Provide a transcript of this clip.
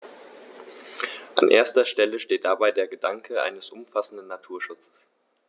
An erster Stelle steht dabei der Gedanke eines umfassenden Naturschutzes.